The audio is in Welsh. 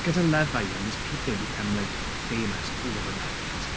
Gyda Love Island these people become like, famous overnight.